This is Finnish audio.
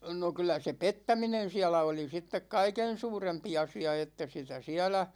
no kyllä se pettäminen siellä oli sitten kaiken suurempi asia että sitä siellä